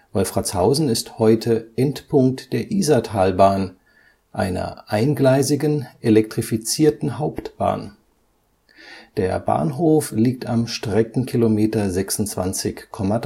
Wolfratshausen ist heute Endpunkt der Isartalbahn (VzG 5507), einer eingleisigen, elektrifizierten Hauptbahn. Der Bahnhof liegt am Streckenkilometer 26,30